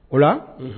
O